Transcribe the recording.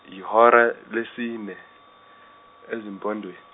yihora lesine, ezimpondwen-.